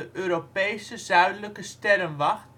de Europese Zuidelijke Sterrenwacht